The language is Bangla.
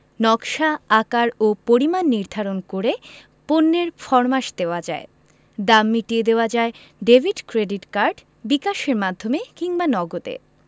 নকশা আকার ও পরিমাণ নির্ধারণ করে পণ্যের ফরমাশ দেওয়া যায় দাম মিটিয়ে দেওয়া যায় ডেভিড ক্রেডিট কার্ড বিকাশের মাধ্যমে কিংবা নগদে